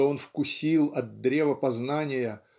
что он вкусил от древа познания